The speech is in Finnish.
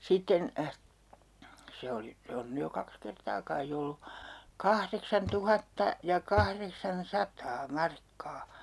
sitten se oli se on nyt jo kaksi kertaa kai ollut kahdeksantuhatta ja kahdeksansataa markkaa